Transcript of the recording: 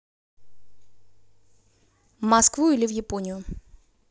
москву или в японию